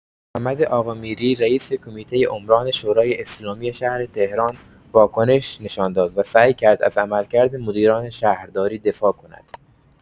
محمد آقامیری رئیس کمیته عمران شورای اسلامی شهر تهران واکنش نشان داد و سعی کرد از عملکرد مدیران شهرداری دفاع کند.